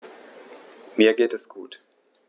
Mir geht es gut.